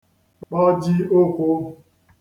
kpọji ụ̄kwụ̄